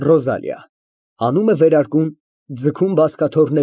ՎԱՐԴԱՆ ֊ Կասես, նուռնի ծաղիկ իլի, յա լալազար։